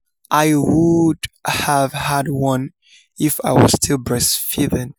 I would've had one if I was still breastfeeding.